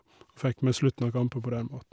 Og fikk med slutten av kampen på den måten.